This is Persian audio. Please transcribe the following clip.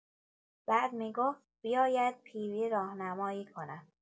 بعد می‌گفت بیاید پی‌وی راهنمایی کنم.